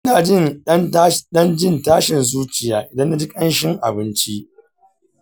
ina dan jin tashin zuciya idan naji kanshin abinci.